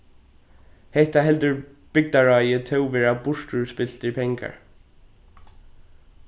hetta heldur bygdaráðið tó vera burturspiltir pengar